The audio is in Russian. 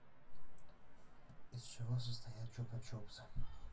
из чего состоят чупа чупсы